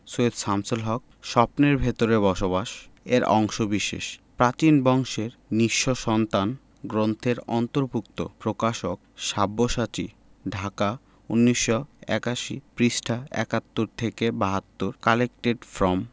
সৈয়দ শামসুল হক স্বপ্নের ভেতরে বসবাস এর অংশবিশেষ প্রাচীন বংশের নিঃস্ব সন্তান গ্রন্থের অন্তর্ভুক্ত প্রকাশকঃ সাব্যসাচী ঢাকা ১৯৮১ পৃষ্ঠাঃ ৭১ থেকে ৭২ কালেক্টেড ফ্রম